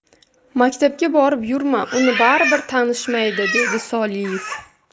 maktabga borib yurma uni baribir tanishmaydi dedi soliev